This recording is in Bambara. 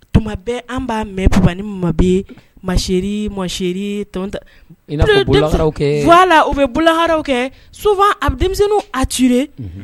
Tuma bɛ an b'a mɛn ni ma bɛ ma mɔ u bɛ bolo haraw kɛ so a bɛ denmisɛnnin a ci